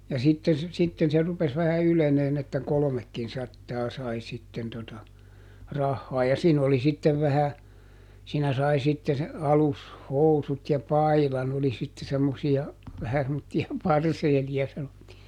ja sitten se sitten se rupesi vähän ylenemään että kolmekinsataa sai sitten tuota rahaa ja siinä oli sitten vähän siinä sai sitten alushousut ja paidan oli sitten semmoisia vähän semmoisia parseeleja sanottiin